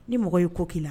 Ni mɔgɔ y' ko k'i la